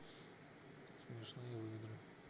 смешные выдры